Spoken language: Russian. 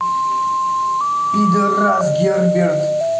пидераст герберт